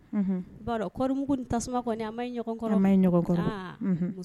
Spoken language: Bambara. B'a dɔnɔrim tasuma an kɔrɔ